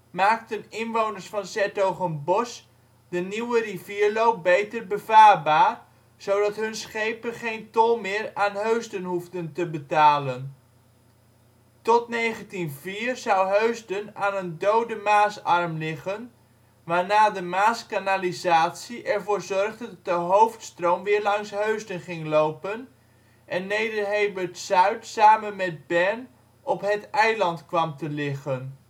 maakten inwoners van ' s-Hertogenbosch de nieuwe rivierloop beter bevaarbaar, zodat hun schepen geen tol meer aan Heusden hoefden te betalen. Tot 1904 zou Heusden aan een dode Maasarm liggen, waarna de Maaskanalisatie ervoor zorgde dat de hoofdstroom weer langs Heusden ging lopen en Nederhemert-Zuid samen met Bern op ' Het Eiland ' kwam te liggen